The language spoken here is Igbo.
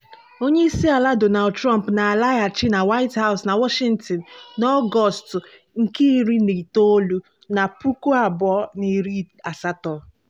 Onyeisiala Donald Trump na-alaghachi na White House na Washington na Ọgọstụ 19, 2018.